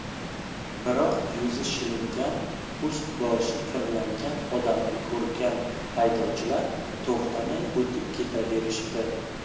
biroq yuzi shilingan ust boshi kirlangan odamni ko'rgan haydovchilar to'xtamay o'tib ketaverishdi